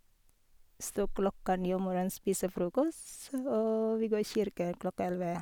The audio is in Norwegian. Stå opp klokka ni om morgenen, spise frokost, og vi gå i kirken klokka elleve.